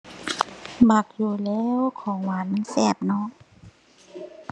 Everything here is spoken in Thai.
มักอยู่แหล้ว ของหวานมันแซ่บเนาะ